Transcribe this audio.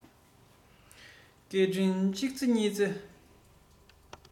སྐད འཕྲིན གཅིག རྩེ གཉིས རྩེ